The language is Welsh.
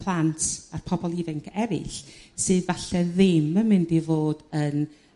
plant a'r pobl ifenc eryll sydd 'falle ddim yn mynd i fod yn